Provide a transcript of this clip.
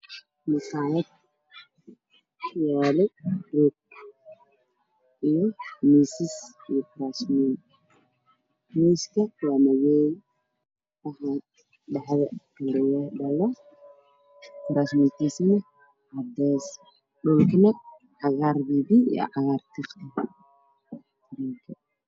Kuraas imisas kuraasta kaleerkoodu waa caddaan miisaska ka horkoodu waa jaalo waxayna yaalaan Dhul gaar ah